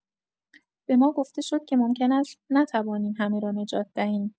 به ما گفته شد که ممکن است نتوانیم همه را نجات دهیم.